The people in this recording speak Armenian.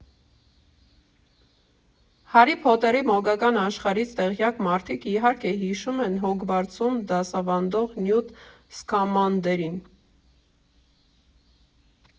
Հարի Փոթերի մոգական աշխարհից տեղյակ մարդիկ իհարկե հիշում են Հոգվարցում դասավանդող Նյութ Սքամանդերին։